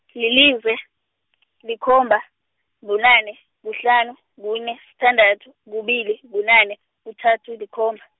lilize, likhomba, bunane, kuhlanu, kune, sithandathu, kubili, kunane, kuthathu, likhomba.